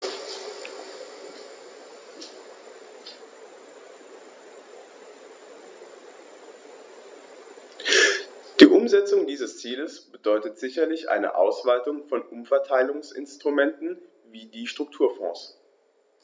Die Umsetzung dieses Ziels bedeutet sicherlich eine Ausweitung von Umverteilungsinstrumenten wie die Strukturfonds.